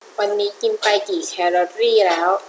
วันนี้กินไปกี่แคลอรี่แล้ว